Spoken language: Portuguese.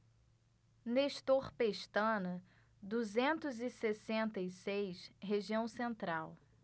nestor pestana duzentos e sessenta e seis região central